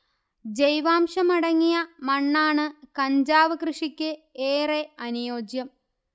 ജൈവാംശമടങ്ങിയ മണ്ണാണ് കഞ്ചാവ് കൃഷിക്ക് ഏറെ അനുയോജ്യം